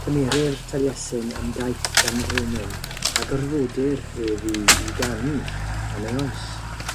Cymerir Taliesin yn gaeth gan frenin a gorfodir ef i i ganu am ei oes.